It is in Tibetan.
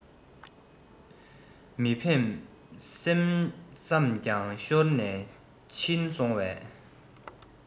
མི འཕེན བསམ ཀྱང ཤོར ནས ཕྱིན སོང བས